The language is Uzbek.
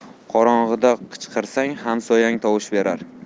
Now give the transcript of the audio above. qorong'ida qichqirsang hamsoyang tovush berar